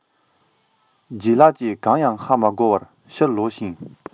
ལྗད ལགས ཀྱིས གང ཡང ཧ མ གོ བར ཕྱིར ལོག ཕྱིན